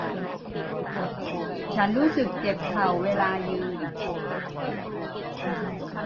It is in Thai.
ฉันรู้สึกเจ็บเข่าเวลายืน